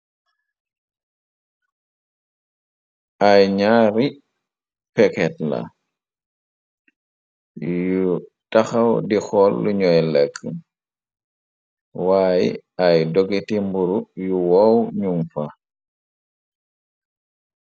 Ay ñaari peket la, yu taxaw di xool luñoy lekk, waaye ay dogiti mbur yu woow ñum fa.